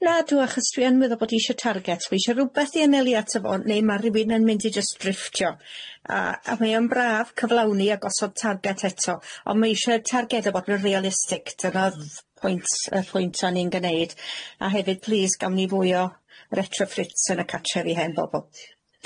Nadw achos dwi yn meddwl bod isie target ma' isie rwbeth i anelu ato fo ne' ma' rywun yn mynd i jyst drifftio a a mae o'n braf cyflawni a gosod target eto ond ma' isie targed o bod yn realistig dyna odd pwynt yy pwynt o'n i'n gneud a hefyd plîs gawn ni fwy o retrofits yn y cartrefi hen bobol.